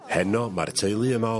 Heno ma'r teulu yma o...